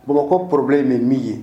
Bamakɔ porobi in bɛ min ye